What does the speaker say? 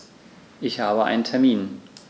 Ich habe einen Termin.